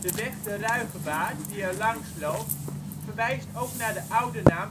De weg ' De Ruige Waard ' die erlangs loopt verwijst ook naar de oude naam Ruigewaardsterpolder